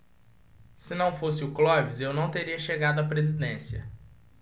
se não fosse o clóvis eu não teria chegado à presidência